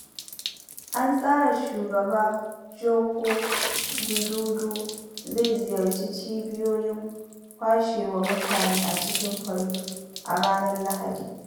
An tsara Shugaba Joko Widodo zai ziyarci cibiyoyin kwashewa mutane a cikin Palu a ranar Lahadi.